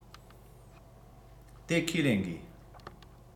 དེ ཁས ལེན དགོས